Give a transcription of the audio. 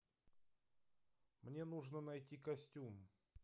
мне нужно найти костюм